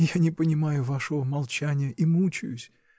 Я не понимаю вашего молчания и мучаюсь.